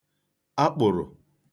akpụ̀rụ̀